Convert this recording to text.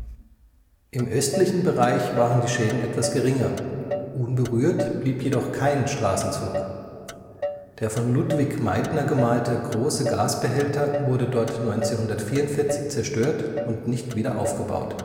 Im östlichen Bereich waren die Schäden etwas geringer, unberührt blieb jedoch kein Straßenzug. Der von Ludwig Meidner gemalte große Gasbehälter dort wurde 1944 zerstört und nicht wieder aufgebaut